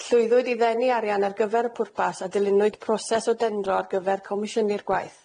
Llwyddwyd i ddenu arian ar gyfer y pwrpas, a dilynwyd proses o dendro ar gyfer comisiynu'r gwaith.